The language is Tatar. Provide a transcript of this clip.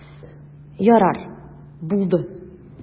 Ярар, булды.